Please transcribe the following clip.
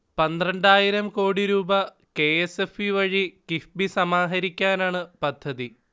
പന്ത്രണ്ടായിരം കോടിരൂപ K. S. F. E വഴി കിഫ്ബി സമാഹരിക്കാനാണ് പദ്ധതി